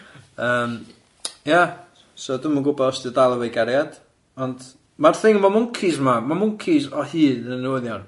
Yym, ia so dwi'm yn gwbod os di o dal efo'i gariad ond ma'r thing am y mwncis ma, ma' mwncis o hyd yn newyddion.